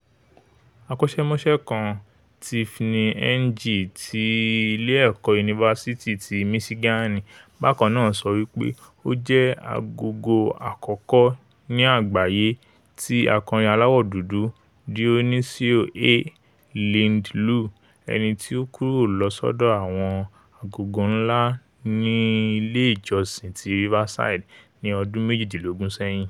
Akọ́ṣẹ́mọṣé kaǹ, Tiffany Ng ti ilé-ẹ̀kọ́ Yunifasiti ti Miṣigaani, bakanaa so wipé ó jẹ́ agogo àkọ́kọ́ ní àgbáyé tí akorin aláwò dudù, Dionisio A. Lind lu, ẹnití o kúrò̀ lọ̀ s'ọ́dọ̀ àwọn agogo ńlá ní ilé ìjọsìn ti Riverside ní odún méjìdínlógún sẹ́yìn.